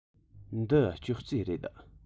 འདི ཅོག ཙེ རེད